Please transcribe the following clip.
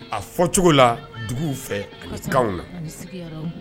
A fɔcogo la duguw fɛ kanw na bisiki ye haramu